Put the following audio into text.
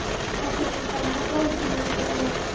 xotinni tanlab ol gulni hidlab